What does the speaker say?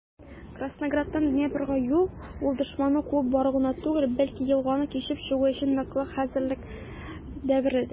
Краснограддан Днепрга юл - ул дошманны куып бару гына түгел, бәлки елганы кичеп чыгу өчен ныклы хәзерлек дәвере дә.